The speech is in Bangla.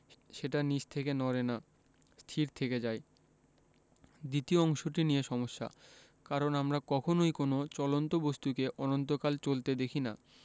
সেটা নিজে থেকে নড়ে না স্থির থেকে যায় দ্বিতীয় অংশটি নিয়ে সমস্যা কারণ আমরা কখনোই কোনো চলন্ত বস্তুকে অনন্তকাল চলতে দেখি না